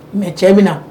Mɛ cɛ bɛ na